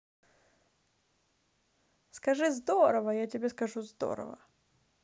скажи здорово я тебе скажу здорово